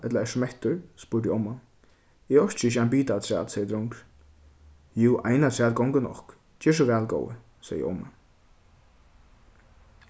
ella ert tú mettur spurdi omman eg orki ikki ein bita afturat segði drongurin jú ein afturat gongur nokk ger so væl góði segði omman